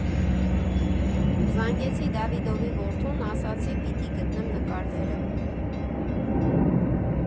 Զանգեցի Դավիդովի որդուն՝ ասացի պիտի գտնեմ նկարները։